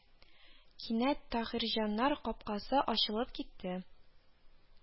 Кинәт Таһирҗаннар капкасы ачылып китте